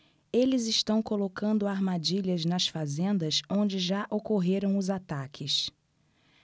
eles estão colocando armadilhas nas fazendas onde já ocorreram os ataques